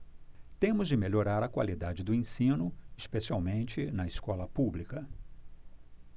temos de melhorar a qualidade do ensino especialmente na escola pública